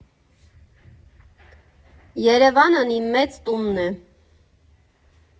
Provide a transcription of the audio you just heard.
Երևանն իմ մեծ տունն է։